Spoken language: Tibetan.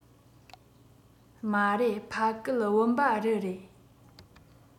མ རེད ཕ གི བུམ པ རི རེད